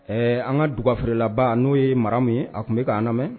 Ɛɛ an ka dugwaffila n'o ye mara min ye a tun bɛ k'a nɔ mɛn